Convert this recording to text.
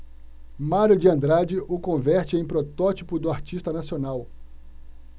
mário de andrade o converte em protótipo do artista nacional